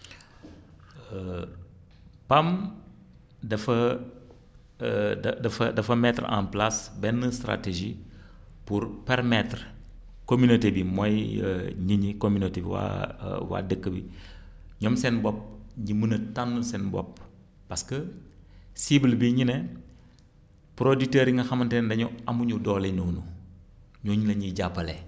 PAM dafa dafa dafa mettre en place benn stratégie pour permettre communauté bi mooy ñun ñii communauté bi waa waa dëkk bi ñoom seen bopp ñu mën a tànnal seen bopp parce que cyble bi ñu ne producteurs yi nga xamante ne dañoo amuñu doole noonu ñooñu la ñuy jàppale